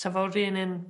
sa fo 'r un un